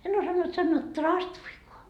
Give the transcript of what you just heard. en osannut sanoa traastuikaan